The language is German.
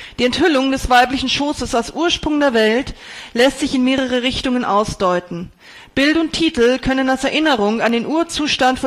Die Enthüllung des weiblichen Schoßes als Ursprung der Welt lässt sich in mehrere Richtungen ausdeuten: Bild und Titel können als Erinnerung an den Urzustand